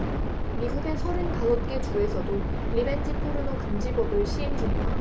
미국의 서른 다섯 개 주에서도 리벤지 포르노 금지법을 시행중이다